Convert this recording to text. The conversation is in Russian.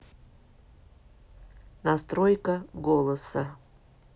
настройка голоса